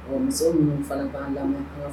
Muso minnu fana b'a la